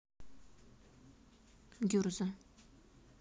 гюрза